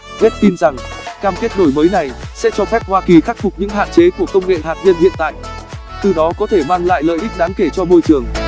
gates tin rằng cam kết đổi mới này sẽ cho phép hoa kỳ khắc phục những hạn chế của công nghệ hạt nhân hiện tại từ đó có thể mang lại lợi ích đáng kể cho môi trường